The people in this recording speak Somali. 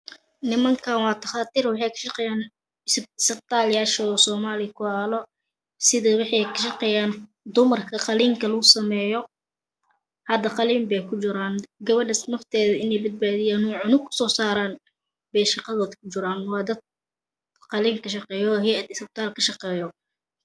Nimankaan waa dhaqaatiir waxay ka shaqeeyaan "isbitaalyaasha" mahan ee waa isbitaalada soomaaliya ku aalo. sida waxay ka shaqeeyaan dumarka qaliinka lagu sameeyo. hadda qaliin bay ku jiraan. Gabadhaas nafteeda Inay badbaadiyaan oo cunug ka soo saaraan Bay shaqadeeda ku ku jiraan waa dad qaliin ka shaqeeya oo hay'ad isbitaal ka shaqeeyo .